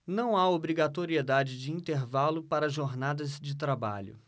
não há obrigatoriedade de intervalo para jornadas de trabalho